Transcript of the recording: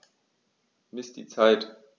Miss die Zeit.